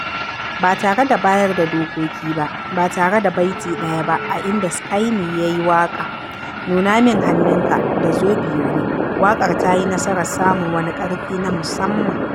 Ba tare da bayar da dokoki ba (ba tare da baiti ɗaya ba a inda Skinny ya yi waƙa "nuna min hannunka" da "zo biyo ni"), waƙar ta yi nasarar samun wani ƙarfi na musamman.